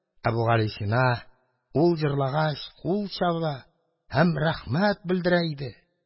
Әбүгалисина, ул җырлагач, кул чаба һәм рәхмәт белдерә иде.